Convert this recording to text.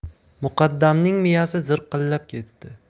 muqaddamning miyasi zirqillab ketdi